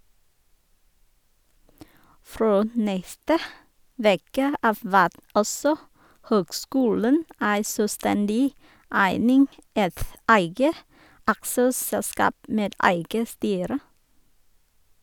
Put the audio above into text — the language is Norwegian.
Frå neste veke av vert altså høgskulen ei sjølvstendig eining, eit eige aksjeselskap med eige styre.